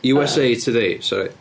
USA Today, sori...